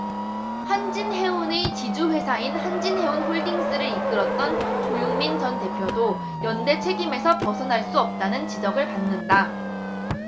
한진해운의 지주회사인 한진해운홀딩스를 이끌었던 조용민 전 대표도 연대 책임에서 벗어날 수 없다는 지적을 받는다